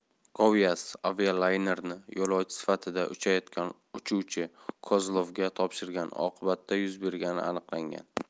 govyaz avialaynerni yo'lovchi sifatida uchayotgan uchuvchi kozlovga topshirgani oqibatida yuz bergani aniqlangan